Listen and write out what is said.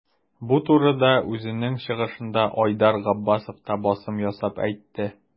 Бу турыда үзенең чыгышында Айдар Габбасов та басым ясап әйтте.